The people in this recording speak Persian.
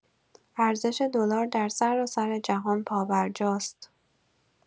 ارزش دلار در سراسر جهان پابرجاست.